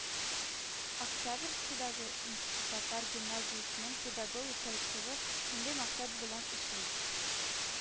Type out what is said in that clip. Октябрьскийдагы нче татар гимназиясенең педагогик коллективы шундый максат белән эшли